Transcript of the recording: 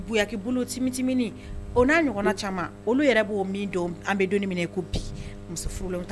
Ki bolo o n'a ɲɔgɔn caman olu yɛrɛ b'o min an bɛ don minɛ ko bi muso furu ta